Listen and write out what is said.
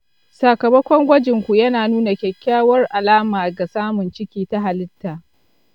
sakamakon gwajinku yana nuna kyakkyawar alama ga samun ciki ta halitta.